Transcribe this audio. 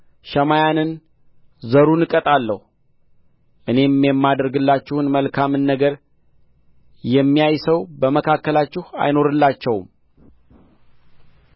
ሸማያንና ዘሩን እቀጣለሁ እኔም የማደርግላችሁን መልካሙን ነገር የሚያይ ሰው በመካከላችሁ አይኖርላችሁም